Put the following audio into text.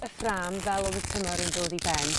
y ffram fel o'dd y tymor yn dod i ben